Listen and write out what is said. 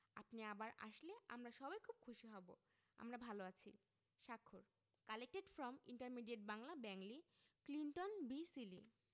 আপনি আবার আসলে আমরা সবাই খুব খুশি হব আমরা ভালো আছি স্বাক্ষর collected from intermediate Bangla Bengali Clinton B Seely